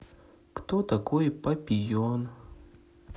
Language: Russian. кто такой папийон